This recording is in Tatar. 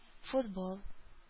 Футбол